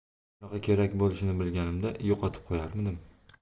bunaqa kerak bo'lishini bilganimda yo'qotib qo'yarmidim